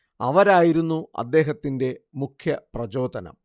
അവരായിരുന്നു അദ്ദേഹത്തിന്റെ മുഖ്യപ്രചോദനം